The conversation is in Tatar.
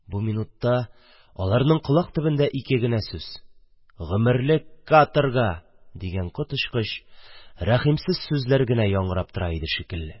Бу минутта аларның колак төбендә ике генә сүз – «гомерлек каторга» дигән коточкыч, рәхимсез сүзләр генә яңгырап тора иде шикелле.